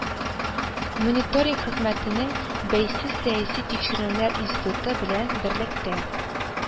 Мониторинг хезмәте”нең “бәйсез сәяси тикшеренүләр институты” белән берлектә